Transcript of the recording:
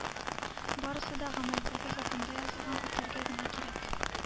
Барысы да гамәлдәге законда язылган, үтәргә генә кирәк.